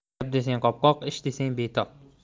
gap desang qop qop ish desang betob